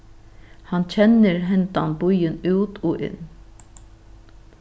hann kennir hendan býin út og inn